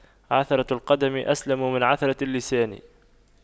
عثرة القدم أسلم من عثرة اللسان